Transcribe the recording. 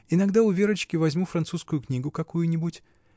Иногда у Верочки возьму французскую книгу какую-нибудь.